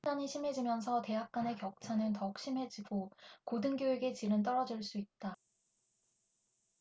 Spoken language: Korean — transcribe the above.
학생 난이 심해지면서 대학 간의 격차는 더욱 심해지고 고등교육의 질은 떨어질 수 있다